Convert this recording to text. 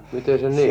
miten se niin